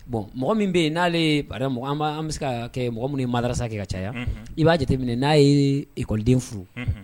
Bon mɔgɔ min bɛ yen n'ale an bɛ kɛ mɔgɔ min maarasake ka caya i b'a jateminɛ n'a ye ikɔden furu